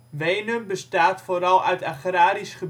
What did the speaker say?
Wenum bestaat vooral uit agrarisch